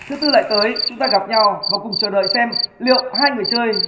thứ tư lại tới chúng ta lại gặp nhau và cùng chờ đợi xem liệu hai người chơi